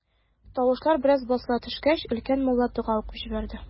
Тавышлар бераз басыла төшкәч, өлкән мулла дога укып җибәрде.